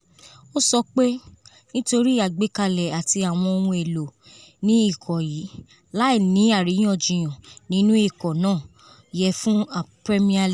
Ó sọ pé, Nítorí àgbékalẹ̀ àti àwọn ohun elo ni ikọ̀ yìí, làí ní àríyànjiyàn nínú ikọ̀ náà yẹ́ fún Premier league.